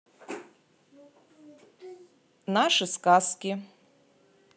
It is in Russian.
наши сказки